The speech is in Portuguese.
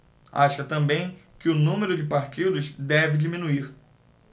acha também que o número de partidos deve diminuir